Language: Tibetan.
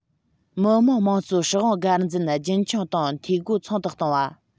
མི དམངས དམངས གཙོའི སྲིད དབང སྒེར འཛིན རྒྱུན འཁྱོངས དང འཐུས སྒོ ཚང དུ གཏོང བ